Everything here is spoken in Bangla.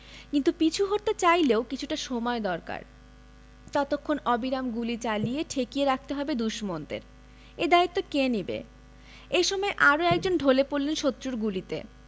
কিন্তু পিছু হটতে চাইলেও কিছুটা সময় দরকার ততক্ষণ অবিরাম গুলি চালিয়ে ঠেকিয়ে রাখতে হবে দুশমনদের এ দায়িত্ব কে নেবে এ সময় আরও একজন ঢলে পড়লেন শত্রুর গুলিতে